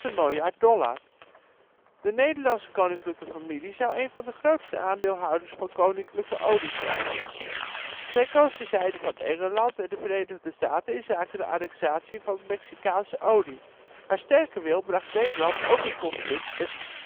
miljard dollar. De Nederlandse koninklijke familie zou een van de grootste aandeelhouders van Koninklijke Olie zijn. Zij koos de zijde van Engeland en de Verenigde Staten inzake de annexatie van Mexicaanse olie. Haar sterke wil bracht Nederland ook in conflict met